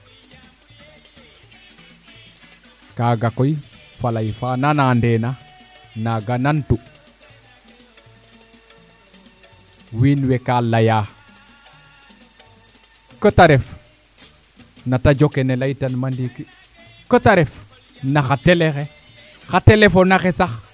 kaga koy faley faa nanda nena naga nan tu wiin we ka leya que te ref na tajo ke ne ley ta nuuma ndiiki que te ref naxa télé xe xa téléphone axe sax